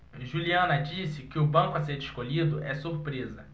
juliana disse que o banco a ser escolhido é surpresa